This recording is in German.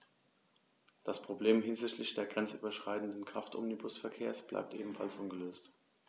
Das Problem hinsichtlich des grenzüberschreitenden Kraftomnibusverkehrs bleibt ebenfalls ungelöst.